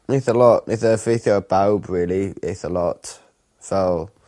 Ma'n eitha lot. Neith e effeithio ar bawb rili eitha lot, fel